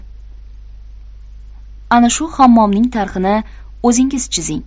anashu hammomning tarhini o'zingiz chizing